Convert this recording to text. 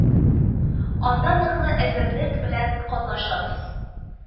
Анда ныклы әзерлек белән катнашабыз